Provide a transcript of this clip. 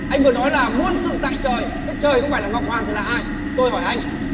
anh vừa nói là muôn sự tại trời thế trời không phải là ngọc hoàng thì là ai tôi hỏi anh